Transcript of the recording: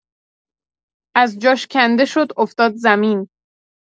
از جاش کنده شد افتاد زمین